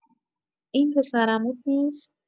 این پسر عموت نیست؟